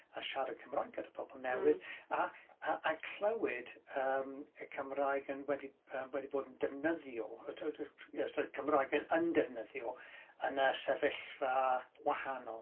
A siarad Cymraeg gyda pobl newydd. A- a clywed yym y Cymraeg yn... wedi wedi bod yn defnyddio. Cymraeg yn defnyddio yn y sefyllfa wahanol.